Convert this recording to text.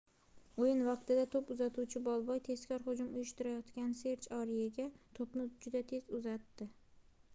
o'yin vaqtida to'p uzatuvchi bolboy tezkor hujum uyushtirayotgan serj oryega to'pni juda tez uzatdi